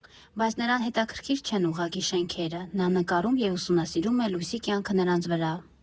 Բայց նրան հետաքրքիր չեն ուղղակի շենքերը, նա նկարում և ուսումնասիրում է լույսի կյանքը նրանց վրա։